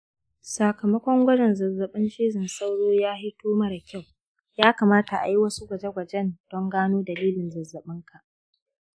sakamakon gwajin zazzaɓin cizon sauro ya fito mara kyau, ya kamata a yi wasu gwaje-gwaje don gano dalilin zazzaɓinka